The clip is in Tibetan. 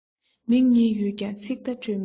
མིག གཉིས ཡོད ཀྱང ཚིག བརྡ སྤྲོད མི ཤེས